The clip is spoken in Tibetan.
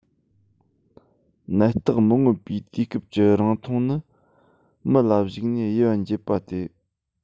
ནད རྟགས མི མངོན པའི དུས སྐབས ཀྱི རིང ཐུང ནི མི ལ གཞིགས ནས དབྱེ བ འབྱེད པ སྟེ